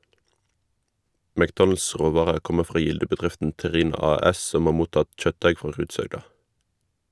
McDonalds råvarer kommer fra Gilde-bedriften Terina AS som har mottatt kjøttdeig fra Rudshøgda.